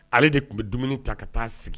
Ale de tun bɛ dumuni ta ka taa sigi